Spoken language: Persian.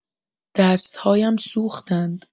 دست‌هایم سوختند.